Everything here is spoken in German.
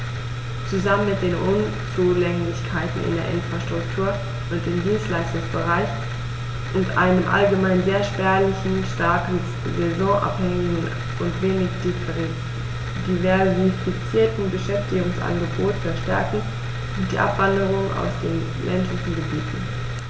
Zusammen mit den Unzulänglichkeiten in der Infrastruktur und im Dienstleistungsbereich und einem allgemein sehr spärlichen, stark saisonabhängigen und wenig diversifizierten Beschäftigungsangebot verstärken sie die Abwanderung aus den ländlichen Gebieten.